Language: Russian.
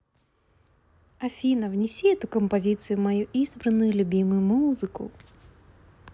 афина внеси эту композицию в мою избранную любимую музыку